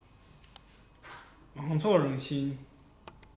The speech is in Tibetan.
མང ཚོགས རང བཞིན